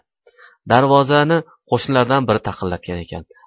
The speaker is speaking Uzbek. darvozani qo'shnilardan biri taqillatgan ekan